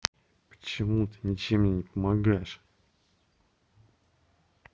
почему ты ничем мне не помогаешь